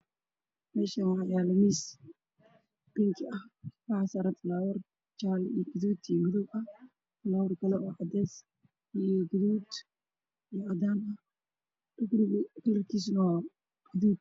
Meeshaan waxaa yaalo miis bingi ah waxaa saaran falaawaro jaale, gaduud iyo madow ah, falaawar kale oo cadeys, gaduud iyo cadaan ah, dhulka uu yaalo waa gaduud.